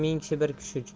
ming kishi bir kishi uchun